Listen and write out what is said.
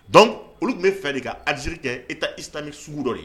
Donc olu tun bɛ fɛ ka Algérie kɛ Etat islamique sugu dɔ ye